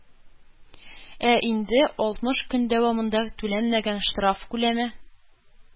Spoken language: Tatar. Ә инде алтмыш көн дәвамында түләнмәгән штраф күләме,